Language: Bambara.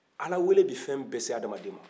ala wele bɛ fɛn bɛɛ se adamaden ma